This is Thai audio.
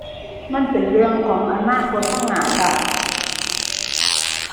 มันเป็นเรื่องของอนาคตทางหน้าจ้ะ